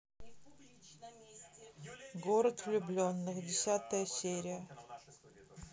город влюбленных десятая серия